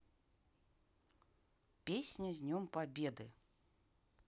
песня с днем победы